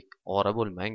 ovora bo'lmang